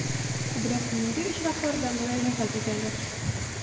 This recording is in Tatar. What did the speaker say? Күбрәк нинди очракларда мөрәҗәгать итәләр?